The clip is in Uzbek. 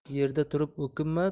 yerda turib o'kinma